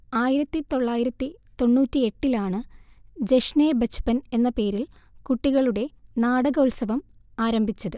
ആയിരത്തി തൊള്ളായിരത്തി തൊണ്ണൂറ്റിയെട്ടിലാണ് ജഷ്നേ ബച്പൻ എന്ന പേരിൽ കുട്ടികളുടെ നാടകോത്സവം ആരംഭിച്ചത്